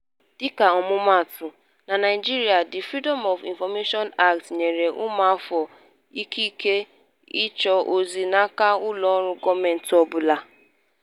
Dịka ọmụmaatụ, na Naịjirịa, The Freedom of Information Act nyere ụmụafọ ikike ịchọ ozi n'aka ụlọọrụ gọọmentị ọbụla.